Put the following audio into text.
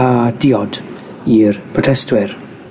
a diod i'r protestwyr.